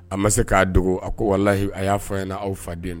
A ma se k'a dogo a ko walahi a y'a fɔ ɲɛna na aw fa den